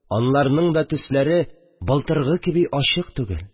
Анларның да төсләре былтыргы кеби ачык түгел